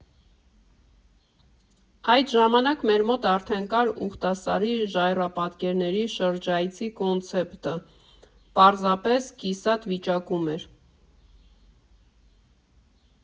Այդ ժամանակ մեր մոտ արդեն կար Ուղտասարի ժայռապատկերների շրջայցի կոնցեպտը, պարզապես կիսատ վիճակում էր։